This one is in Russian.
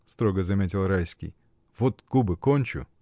— строго заметил Райский, — вот губы кончу.